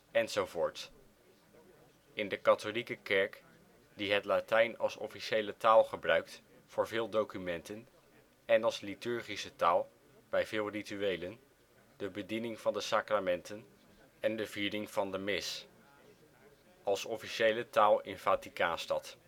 enz. in de Katholieke Kerk, die het Latijn als officiële taal gebruikt voor veel documenten, en als liturgische taal bij veel rituelen, de bediening van de sacramenten en de viering van de H. Mis; als officiële taal in Vaticaanstad